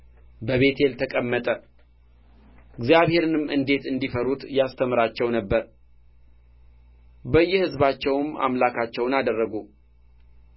በቤቴል ተቀመጠ እግዚአብሔርንም እንዴት እንዲፈሩት ያስተምራቸው ነበር በየሕዝባቸውም አምላካቸውን አደረጉ